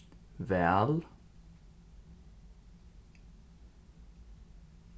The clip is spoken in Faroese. væl